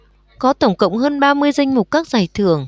có tổng cộng hơn ba mươi danh mục các giải thưởng